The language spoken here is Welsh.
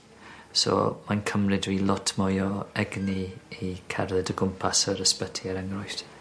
So mae'n cymryd fi lot mwy o egni i cerdded o gwmpas yr ysbyty er enghraifft.